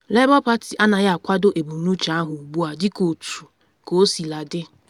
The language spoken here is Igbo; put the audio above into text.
Labour Party anaghị akwado ebumnuche ahụ ugbu a dịka otu, kosiladị.